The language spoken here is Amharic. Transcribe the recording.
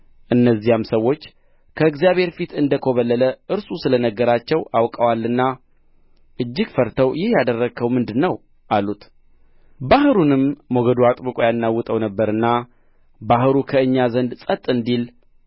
እነዚያም ሰዎች ከእግዚአብሔር ፊት እንደ ኰበለለ እርሱ ስለ ነገራቸው አውቀዋልና እጅግ ፈርተው ይህ ያደረግኸው ምንድር ነው አሉት ባሕሩንም ሞገዱ አጥብቆ ያናውጠው ነበርና ባሕሩ ከእኛ ዘንድ ጸጥ እንዲል